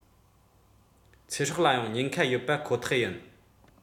ཚེ སྲོག ལའང ཉེན ཁ ཡོད པ ཁོ ཐག ཡིན